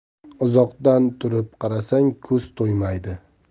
uzoqdan turib qarasang ko'z to'ymaydi